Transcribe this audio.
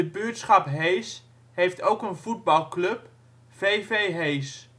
buurtschap Hees heeft ook een voetbalclub, v.v. Hees